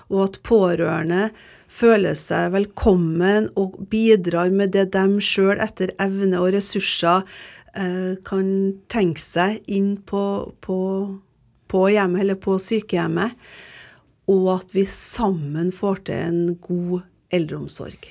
og at pårørende føler seg velkommen og bidrar med det dem sjøl etter evne og ressurser kan tenke seg inn på på på hjemmet eller på sykehjemmet, og at vi sammen får til en god eldreomsorg.